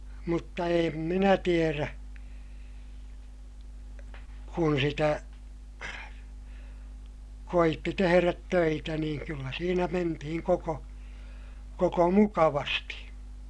mutta en minä tiedä kun sitä koetti tehdä töitä niin kyllä siinä mentiin koko koko mukavasti